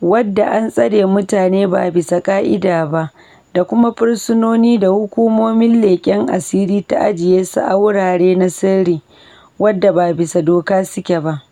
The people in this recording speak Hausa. wadda an "tsare mutane ba bisa ka'ida ba" da kuma fursunonin da hukumomin leken asiri ta ajiye su a wuraren na sirri wadda ba bisa doka suke ba.